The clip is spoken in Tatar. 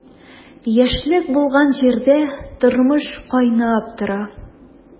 Яшьлек булган җирдә тормыш кайнап тора.